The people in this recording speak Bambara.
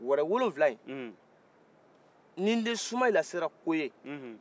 wɛrɛ wolowula nin n den sumahila sera ko ye